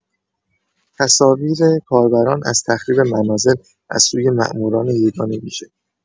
تصاویر کاربران از تخریب منازل از سوی ماموران یگان ویژه